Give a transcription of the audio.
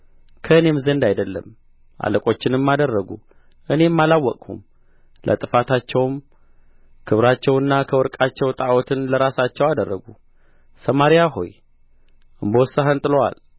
ከእኔም ዘንድ አይደለም አለቆችንም አደረጉ እኔም አላወቅሁም ለጥፋታቸውም ከብራቸውና ከወርቃቸው ጣዖታትን ለራሳቸው አደረጉ ሰማርያ ሆይ እምቦሳህን ጥሎአል